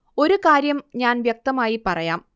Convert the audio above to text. ഒരു കാര്യം ഞാൻ വ്യക്തമായി പറയാം